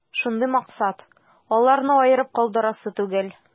Шундый максат: аларны аерып калдырасы түгел.